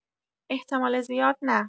احتمال زیاد نه.